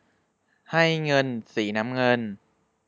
ให้เงินสีน้ำเงิน